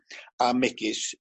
a megis